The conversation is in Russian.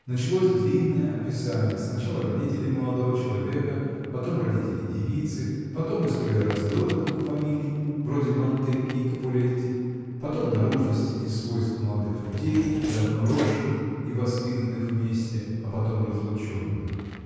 Началось длинное описание, сначала родителей молодого человека, потом родителей девицы, потом история раздора двух фамилий, вроде Монтекки и Капулетти, потом наружности и свойств молодых людей, давно росших и воспитанных вместе, а потом разлученных.